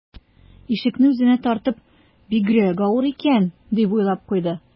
Ишекне үзенә тартып: «Бигрәк авыр икән...», - дип уйлап куйды